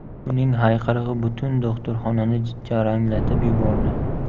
uning hayqirig'i butun do'xtirxonani jaranglatib yubordi